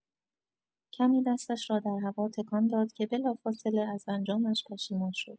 کمی دستش را در هوا تکان داد که بلافاصله، از انجامش پشیمان شد.